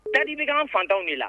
Tali bɛgan fantanw de la